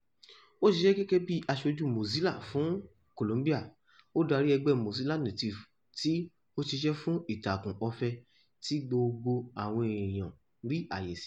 Ó ṣíṣe gẹ́gẹ́ bíi Aṣojú Mozilla fún Colombia, ó darí Ẹgbẹ́ Mozilla Nativi tí ó sì ṣiṣẹ́ fún ìtakùn ọ̀fẹ́ tí gbogbo àwọn èèyàn rí àyè sí.